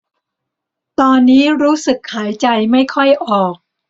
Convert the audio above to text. ตอนนี้รู้สึกหายใจไม่ค่อยออก